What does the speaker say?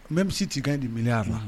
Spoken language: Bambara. Même si tu gagnes des milliards là